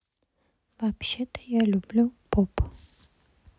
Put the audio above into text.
вообще то я люблю поп